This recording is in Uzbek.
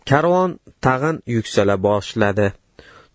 karvon tag'in yuksala boshladi